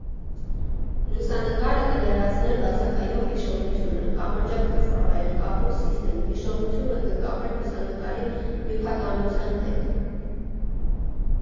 Լուսանկարը կլրացներ բացակայող հիշողությունը, կամրջակ կծառայեր, կապող սիստեմ, հիշղությունը կկապեր լուսանկարի նյութականության հետ»։